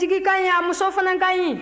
jigi ka ɲi a muso fana ka ɲi